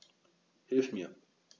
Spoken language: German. Hilf mir!